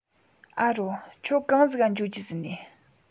ཨ རོ ཁྱོད གང ཟིག ག འགྱོ རྒྱུ བཟེས ནས